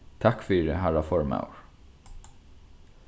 takk fyri harra formaður